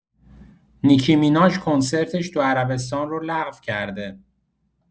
نیکی میناژ کنسرتش تو عربستان رو لغو کرده.